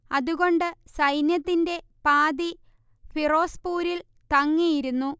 അതുകൊണ്ട് സൈന്യത്തിന്റെ പാതി ഫിറോസ്പൂരിൽ തങ്ങിയിരുന്നു